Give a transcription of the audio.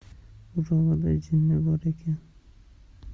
urug'ida jinni bor ekan